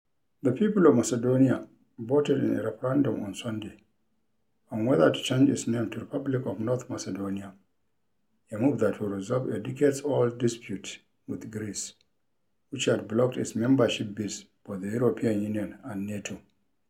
The people of Macedonia voted in a referendum on Sunday on whether to change its name to "Republic of North Macedonia," a move that would resolve a decades-old dispute with Greece which had blocked its membership bids for the European Union and NATO.